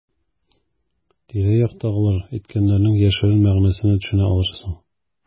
Тирә-яктагылар әйткәннәрнең яшерен мәгънәсенә төшенә алырсың.